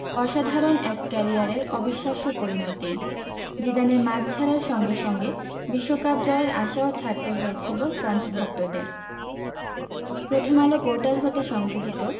অসাধারণ এক ক্যারিয়ারের অবিশ্বাস্য পরিণতি জিদানের মাঠ ছাড়ার সঙ্গে সঙ্গে বিশ্বকাপ জয়ের আশাও ছাড়তে হয়েছিল ফ্রান্স ভক্তদের প্রথমআলো পোর্টাল হতে সংগৃহীত